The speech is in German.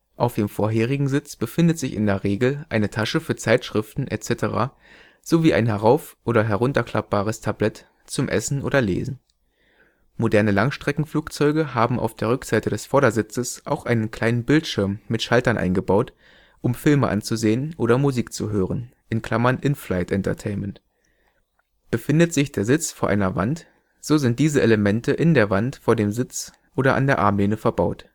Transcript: Auf dem vorherigen Sitz befindet sich in der Regel eine Tasche für Zeitschriften etc. sowie ein herauf -/ herunterklappbares Tablett zum Essen oder Lesen. Moderne Langstreckenflugzeuge haben auf der Rückseite des Vordersitzes auch einen kleinen Bildschirm mit Schaltern eingebaut, um Filme anzusehen oder Musik zu hören (In-flight Entertainment). Befindet sich der Sitz vor einer Wand, so sind diese Elemente in der Wand vor dem Sitz oder an der Armlehne verbaut